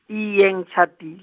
iye ngitjhadil-.